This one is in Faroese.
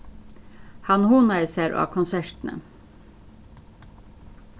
hann hugnaði sær á konsertini